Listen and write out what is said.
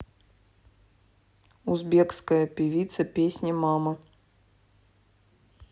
узбекская певица песня мама